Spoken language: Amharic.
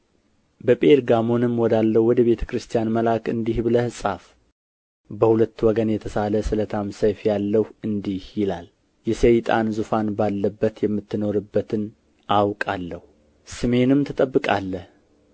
በጴርጋሞንም ወዳለው ወደ ቤተ ክርስቲያን መልአክ እንዲህ ብለህ ጻፍ በሁለት ወገን የተሳለ ስለታም ሰይፍ ያለው እንዲህ ይላል የሰይጣን ዙፋን ባለበት የምትኖርበትን አውቃለሁ ስሜንም ትጠብቃለህ